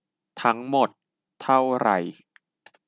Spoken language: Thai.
ทั้งหมดเท่าไหร่